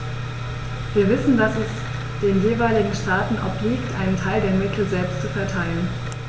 Wir wissen, dass es den jeweiligen Staaten obliegt, einen Teil der Mittel selbst zu verteilen.